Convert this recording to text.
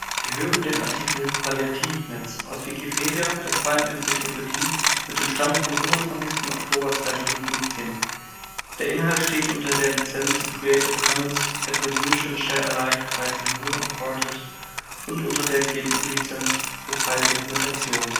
Sie hören den Artikel Palliativnetz, aus Wikipedia, der freien Enzyklopädie. Mit dem Stand vom Der Inhalt steht unter der Lizenz Creative Commons Attribution Share Alike 3 Punkt 0 Unported und unter der GNU Lizenz für freie Dokumentation